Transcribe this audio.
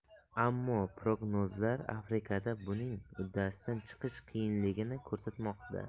ammo prognozlar afrikada buning uddasidan chiqish qiyinligini ko'rsatmoqda